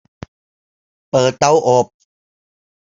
เปิดเตาอบ